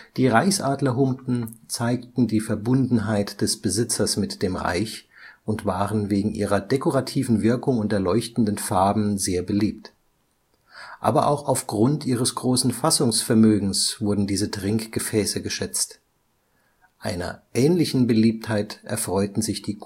Die Reichsadlerhumpen zeigten die Verbundenheit des Besitzers mit dem Reich und waren wegen ihrer dekorativen Wirkung und der leuchtenden Farben sehr beliebt. Aber auch aufgrund ihres großen Fassungsvermögens wurden diese Trinkgefäße geschätzt. Einer ähnlichen Beliebtheit erfreuten sich die